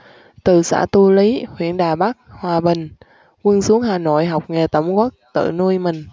từ xã tu lý huyện đà bắc hòa bình quân xuống hà nội học nghề tẩm quất tự nuôi mình